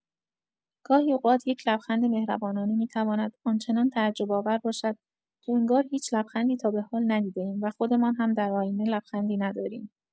گاهی اوقات یک لبخند مهربانانه می‌تواند آن‌چنان تعجب‌آور باشد که انگار هیچ لبخندی تا به حال ندیده‌ایم، و خودمان هم در آیینه لبخندی نداریم.